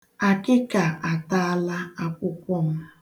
Akịka ataala akwụkwọ m.